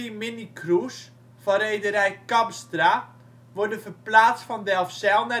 minicruise) van rederij Kamstra worden verplaatst van Delfzijl